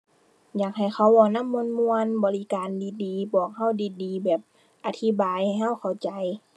อยากให้เขาเว้านำม่วนม่วน บริการดีดี บอกเราดีดีแบบอธิบายให้เราเข้าใจ